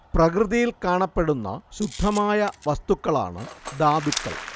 പ്രകൃതിയിൽ കാണപ്പെടുന്ന ശുദ്ധമായ വസ്തുക്കളാണ് ധാതുക്കൾ